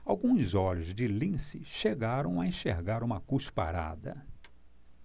alguns olhos de lince chegaram a enxergar uma cusparada